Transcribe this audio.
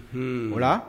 Un. Ola